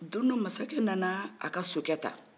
don dɔ masakɛ nana a ka sokɛ ta